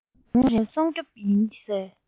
རིག དངོས སྲུང སྐྱོབ ཡིན ཟེར